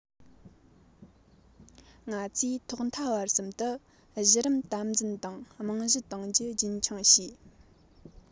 ང ཚོས ཐོག མཐའ བར གསུམ དུ གཞི རིམ དམ འཛིན དང རྨང གཞི འདིང རྒྱུ རྒྱུན འཁྱོངས བྱས